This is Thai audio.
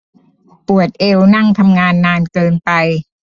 ปวดเอวนั่งทำงานนานเกินไป